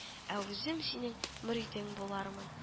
Ә үзем синең мөридең булармын